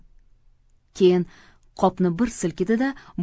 keyin qopni bir silkidi da